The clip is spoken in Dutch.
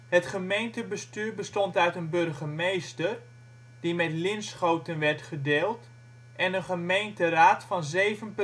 Het gemeentebestuur bestond uit een burgemeester, die met Linschoten werd gedeeld en een gemeenteraad van zeven